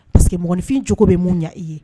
Masakɛ mɔgɔninfin cogocogo bɛ mun ɲɛ i ye